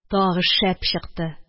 Тагы шәп чыкты